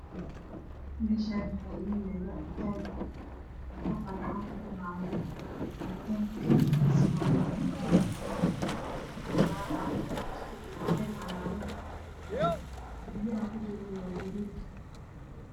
Halkan waa yalo cabitan kalar kisi yahay cagaran iyo gadud wax